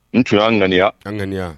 N tu y'a ŋaniya a ŋaniya